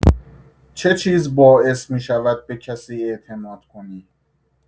چه چیز باعث می‌شود به کسی اعتماد کنی؟